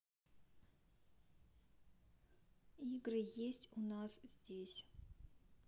игры есть у нас здесь